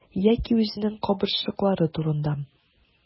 Яки үзенең кабырчрыклары турында.